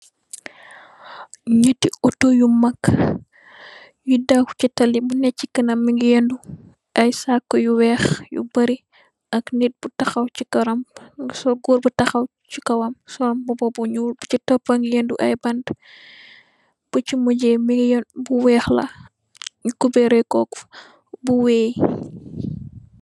Njehti autor yu mak yu daw chi talibi, bu neh chi kanam mungy yehndu aiiy saaku yu wekh yu bari, ak nitt bu takhaw chi kanam, gorre bu takhaw cii kanam sol mbuba bu njull, bu chii topah mungy yendu aiiy bantue, bu chi mujeh mungy yohrr bu wekh la nju couberreh kor buwehh.